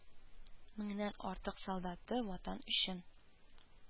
Меңнән артык солдаты ватан өчен